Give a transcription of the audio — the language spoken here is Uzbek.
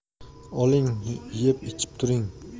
oling yeb ichib turing